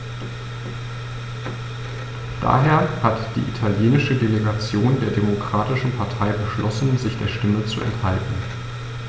Daher hat die italienische Delegation der Demokratischen Partei beschlossen, sich der Stimme zu enthalten.